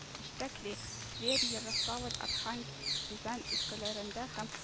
Тәкли тверь, ярославль, архангельск, рязань өлкәләрендә һәм